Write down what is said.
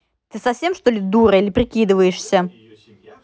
ты совсем чтоли дура или прикидываешься